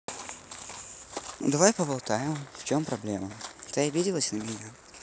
ну давай поболтаем в чем проблема ты обиделась на меня